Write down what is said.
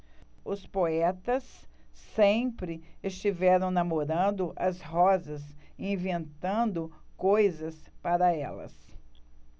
os poetas sempre estiveram namorando as rosas e inventando coisas para elas